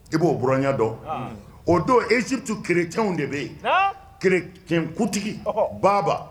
I b'o bya dɔn o don eztu kerecw de bɛ yen kinkutigi baba